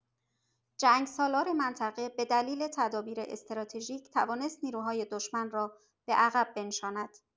جنگ‌سالار منطقه به دلیل تدابیر استراتژیک توانست نیروهای دشمن را به‌عقب بنشاند.